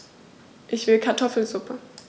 Ich will Kartoffelsuppe.